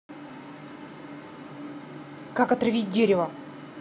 как отравить дерево